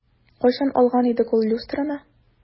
Кайчан алган идек ул люстраны?